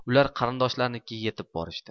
ular qarindoshlarinikiga yetib borishdi